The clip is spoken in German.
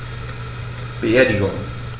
Beerdigung